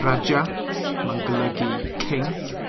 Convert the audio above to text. Raja. Ma'n golygu King,